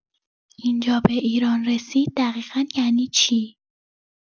این‌جا به ایران رسید دقیقا یعنی چی؟